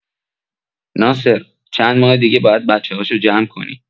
ناصر، چند ماه دیگه باید بچه‌هاشو جمع کنی.